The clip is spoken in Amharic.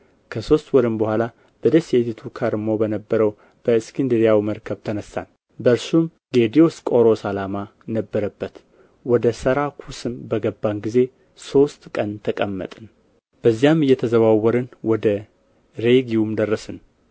ከሦስት ወርም በኋላ በደሴቲቱ ከርሞ በነበረው በእስክንድርያው መርከብ ተነሣን በእርሱም የዲዮስቆሮስ አላማ ነበረበት ወደ ሰራኩስም በገባን ጊዜ ሦስት ቀን ተቀመጥን ከዚያም እየተዛወርን ወደ ሬጊዩም ደረስን